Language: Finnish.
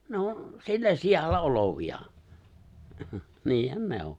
ne on sillä sijalla olevia niinhän ne on